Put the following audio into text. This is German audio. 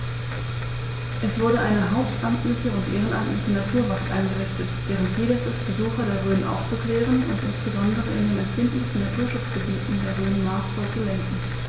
Es wurde eine hauptamtliche und ehrenamtliche Naturwacht eingerichtet, deren Ziel es ist, Besucher der Rhön aufzuklären und insbesondere in den empfindlichen Naturschutzgebieten der Rhön maßvoll zu lenken.